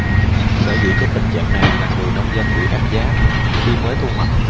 sở dĩ có tình trạng này là người nông dân bị ép giá khi mới thu hoạch